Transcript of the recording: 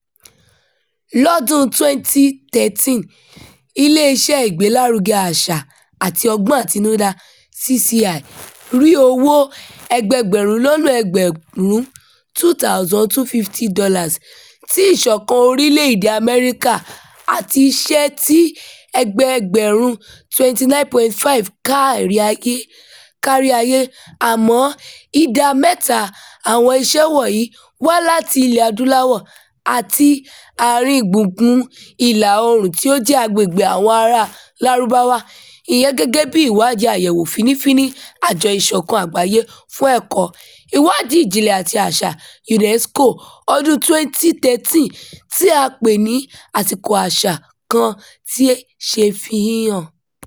Lọ́dún-un 2013, iléeṣẹ́ ìgbélárugẹ àṣà àti ọgbọ́n àtinudá (CCI) rí owó ẹgbẹẹgbẹ̀rún-lọ́nà-ẹgbẹ̀rún 2,250 dollar ti Ìṣọ̀kan Orílẹ̀-èdèe Amẹ́ríkà àti iṣẹ́ tí ẹgbẹẹgbẹ̀rún 29.5 kárí ayé [àmọ́] ìdá 3 àwọn iṣẹ́ wọ̀nyí wá láti Ilẹ̀-Adúláwọ̀ àti Àárín gbùngbùn Ìlà-Oòrùn tí ó jẹ́ agbègbè àwọn aráa Lárúbáwá, ìyẹn gẹ́gẹ́ bí ìwádìí àyẹ̀wò fínnífínní Àjọ Ìṣọ̀kan Àgbáyé fún Ẹ̀kọ́, Ìwádìí Ìjìnlẹ̀ àti Àṣà (UNESCO) ọdún-un 2013 tí a pè ní “Àsìkò Àṣà” kan ti ṣe fi hàn.